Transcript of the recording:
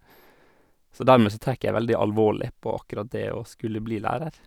Så dermed så tek jeg veldig alvorlig på akkurat det å skulle bli lærer.